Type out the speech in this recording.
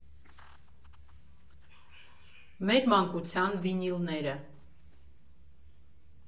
Մեր մանկության վինիլները։